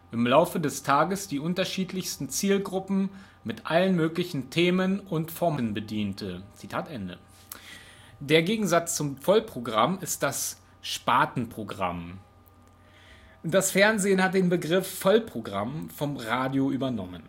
im Laufe des Tages die unterschiedlichsten Zielgruppen mit allen möglichen Themen und Formen bediente “. Der Gegensatz zum Vollprogramm ist das Spartenprogramm. Das Fernsehen hat den Begriff „ Vollprogramm “vom Radio übernommen